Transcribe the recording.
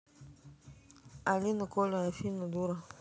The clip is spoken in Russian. алина коля афина дура